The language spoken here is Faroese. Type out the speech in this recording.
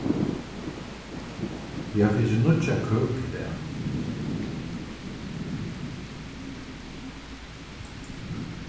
eg havi fingið nýggjan køk í dag